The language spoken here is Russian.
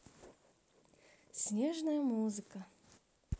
снежная музыка